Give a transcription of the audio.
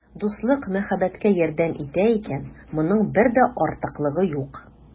Дуслык мәхәббәткә ярдәм итә икән, моның бер дә артыклыгы юк.